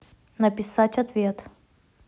написать ответ